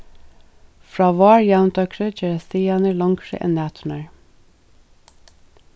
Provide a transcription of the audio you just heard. frá várjavndøgri gerast dagarnir longri enn næturnar